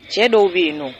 Cɛ dɔw be yen nɔ